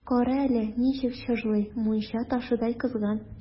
Кара әле, ничек чыжлый, мунча ташыдай кызган!